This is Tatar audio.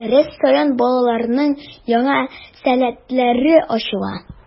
Дәрес саен балаларның яңа сәләтләре ачыла.